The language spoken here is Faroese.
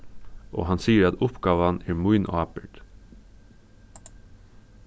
og hann sigur at uppgávan er mín ábyrgd